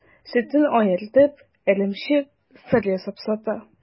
Сөтен аертып, эремчек, сыр ясап сата.